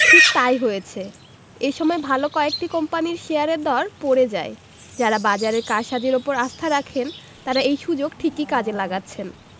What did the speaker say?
ঠিক তা ই হয়েছে এ সময় ভালো কয়েকটি কোম্পানির শেয়ারের দর পড়ে যায় যাঁরা বাজারের কারসাজির ওপর আস্থা রাখেন তাঁরা এই সুযোগ ঠিকই কাজে লাগাচ্ছেন